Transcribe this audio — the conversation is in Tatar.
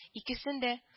Икесен дә